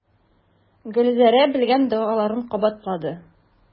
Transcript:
Гөлзәрә белгән догаларын кабатлады.